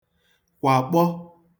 kwàkpọ